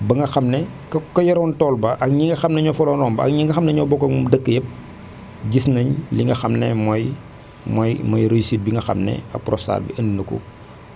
ba nga xam ne ka ka yorewoon tool ba ak ñi nga xm ne ñoo fa doon romb ak ñi nga xam ne ñoo bokk ak moom dëkk yëpp gis nañ li nga xam ne mooy mooy mooy réussite bi nga xam ne Apronstar bi ëndi na ko